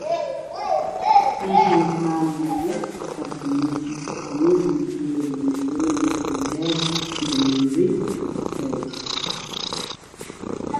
Halkan waxaa yaalo afar khamiis ah afarta khiis waa mafaw midi kafee